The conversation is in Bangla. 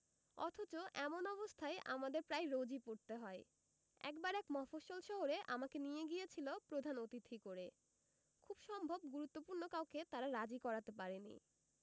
অথচ এমন অবস্থায় আমাদের প্রায় রোজই পড়তে হয় একবার এক মফস্বল শহরে আমাকে নিয়ে গিয়েছিল প্রধান অতিথি করে খুব সম্ভব গুরুত্বপূর্ণ কাউকে তারা রাজি করাতে পারেনি